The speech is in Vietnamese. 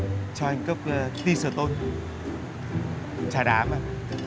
cho anh cốc ti sờ tôn trà đá mà